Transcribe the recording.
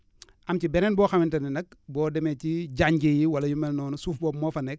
am ci beneen boo xamante ne nag boo demee ci janj yi wala yu mel noonu suuf boobu moo fa nekk